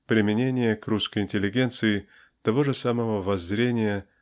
-- применение к русской интеллигенции того же самого воззрения